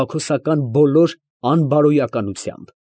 Բաքոսական բոլոր անբարոյականությամբ։